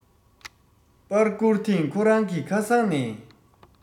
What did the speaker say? པར བསྐུར ཐེངས ཁོ རང གི ཁ སང ནས